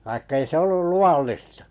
vaikka ei se ollut luvallista